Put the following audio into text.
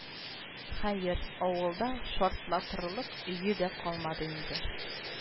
Хәер, авылда шартлатырлык өе дә калмады инде